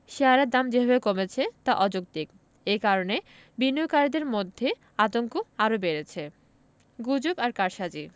শেয়ারের দাম যেভাবে কমেছে তা অযৌক্তিক এ কারণে বিনিয়োগকারীদের মধ্যে আতঙ্ক আরও বেড়েছে গুজব আর কারসাজি